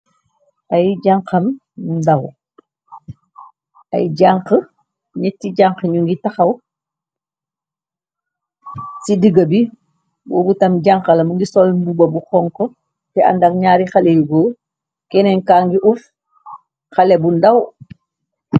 Ay jankam ndow ay ñyetti janka ñu ngi taxaw ci diggi bi boo bu tam janka la mu ngi sol mbu babu xonko te andak ñaari xale yugoo kenenka ngi uuf xale bu ndaw.